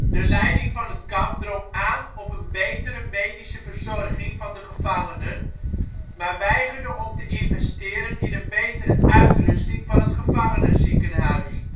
De leiding van het kamp drong aan op een betere medische verzorging van de gevangenen, maar weigerde om te investeren in een betere uitrusting van het gevangenenziekenhuis